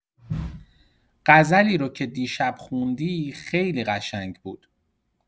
غزلی رو که دیشب خوندی، خیلی قشنگ بود.